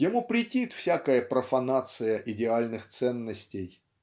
Ему претит всякая профанация идеальных ценностей.